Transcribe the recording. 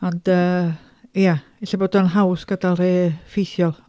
Ond yy ia, ella bod o'n haws gadael rhai ffeithiol.